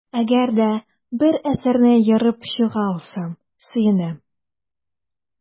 Әгәр дә бер әсәрне ерып чыга алсам, сөенәм.